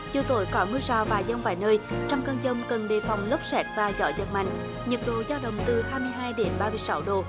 chiều tối có mưa rào và dông vài nơi trong cơn dông cần đề phòng lốc sét và gió giật mạnh nhiệt độ dao động từ hai mươi hai đến ba mươi sáu độ